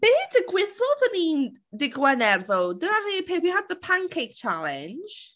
Be digwyddodd yn un dydd Gwener ddo? Dyna'r unig peth we had the pancake challenge.